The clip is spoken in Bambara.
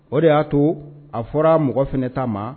O de y'a to a fɔra mɔgɔ f taama ma